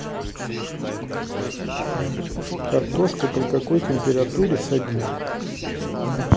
картошку при какой температуре садить